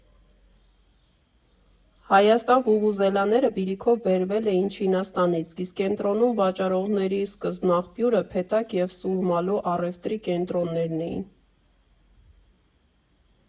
Հայաստան վուվուզելաները «բիրիքով» բերվել էին Չինաստանից, իսկ կենտրոնում վաճառողների սկզբնաղբյուրը «Փեթակ» և «Սուրմալու» առևտրի կենտրոններն էին։